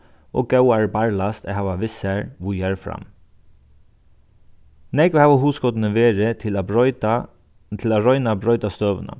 og góðari barlast at hava við sær víðari fram nógv hava hugskotini verið til at broyta til at royna at broyta støðuna